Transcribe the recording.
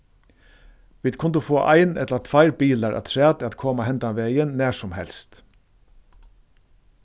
vit kundu fáa ein ella tveir bilar afturat at koma hendan vegin nær sum helst